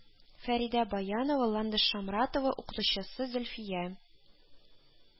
Фәридә Баянова, Ландыш Шамратова укытучысы Зөлфия